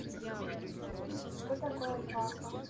что такое альпака